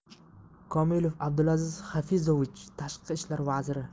komilov abdulaziz xafizovich tashqi ishlar vaziri